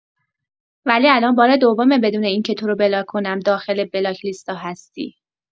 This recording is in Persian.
ولی الان بار دومه بدون اینکه تورو بلاک کنم داخل بلاک لیستا هستی!